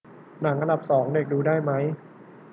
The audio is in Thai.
หนังอันดับสองเด็กดูได้ไหม